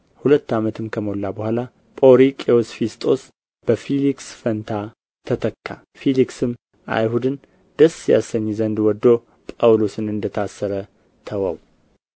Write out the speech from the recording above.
ሁለት ዓመትም ከሞላ በኋላ ጶርቅዮስ ፊስጦስ በፊልክስ ፈንታ ተተካ ፊልክስም አይሁድን ደስ ያሰኝ ዘንድ ወዶ ጳውሎስን እንደ ታሰረ ተወው